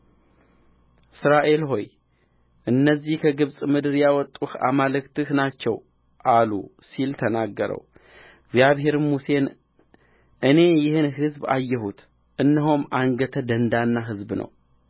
እስራኤል ሆይ እነዚህ ከግብፅ ምድር ያወጡህ አማልክትህ ናቸው አሉ ሲል ተናገረው እግዚአብሔርም ሙሴን እኔ ይህን ሕዝብ አየሁት እነሆም አንገተ ደንዳና ሕዝብ ነው